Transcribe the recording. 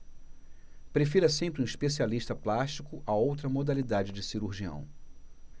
prefira sempre um especialista plástico a outra modalidade de cirurgião